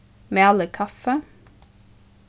malið kaffi